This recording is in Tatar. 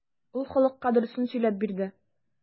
Ул халыкка дөресен сөйләп бирде.